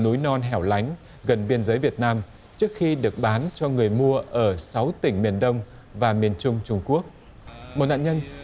núi non hẻo lánh gần biên giới việt nam trước khi được bán cho người mua ở sáu tỉnh miền đông và miền trung trung quốc một nạn nhân